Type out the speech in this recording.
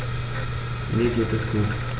Mir geht es gut.